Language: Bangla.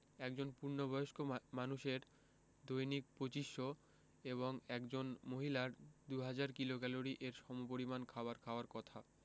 একজন পূর্ণবয়স্ক মানুষের দৈনিক ২৫০০ এবং একজন মহিলার ২০০০ কিলোক্যালরি এর সমপরিমান খাবার খাওয়ার কথা